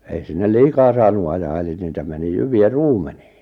ei sinne liikaa saanut ajaa eli niitä meni jyviä ruumeniin